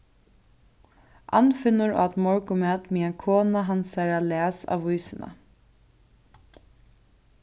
annfinnur át morgunmat meðan kona hansara las avísina